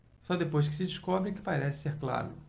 só depois que se descobre é que parece ser claro